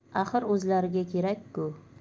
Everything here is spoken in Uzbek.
axir o'zlariga kerak ku